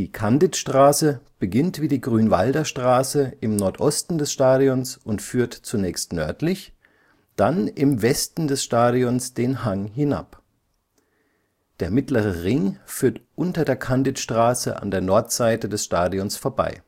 Candidstraße beginnt wie die Grünwalder Straße im Nordosten des Stadions und führt zunächst nördlich, dann im Westen des Stadions den Hang hinab. Der Mittlere Ring führt unter der Candidstraße an der Nordseite des Stadions vorbei